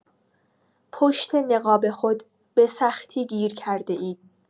پشت نقاب خود به‌سختی گیر کرده‌اید.